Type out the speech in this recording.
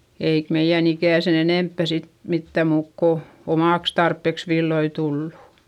eikä meidän ikään sen enempää sitten mitään muuta kuin omaksi tarpeeksi villoja tullut